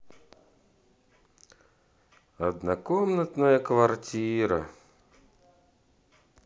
однокомнатная квартира